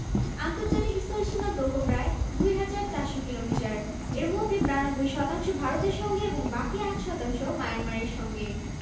আন্তর্জাতিক স্থলসীমার দৈর্ঘ্য প্রায় ২হাজার ৪০০ কিলোমিটার এর মধ্যে ৯২ শতাংশ ভারতের সঙ্গে এবং বাকি ৮ শতাংশ মায়ানমারের সঙ্গে